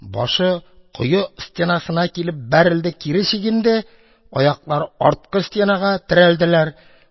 Башы кое стенасына килеп бәрелде; кире чигенде — аяклары арткы стенага терәлделәр.